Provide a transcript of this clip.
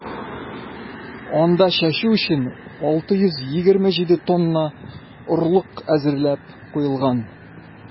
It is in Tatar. Анда чәчү өчен 627 тонна орлык әзерләп куелган.